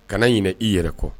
Kana ɲin i yɛrɛ kɔ